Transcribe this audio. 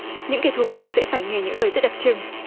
những kẻ thua cuộc sẽ phải nghe những lời sẽ đặc trưng